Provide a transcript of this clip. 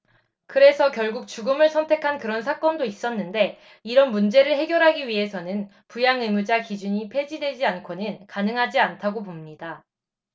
그래서 결국 죽음을 선택한 그런 사건도 있었는데 이런 문제를 해결하기 위해서는 부양의무자 기준이 폐지되지 않고는 가능하지 않다고 봅니다